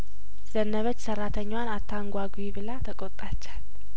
ዘነበች ሰራተኛዋን አታንጓጉ ብላ ተቆጣቻት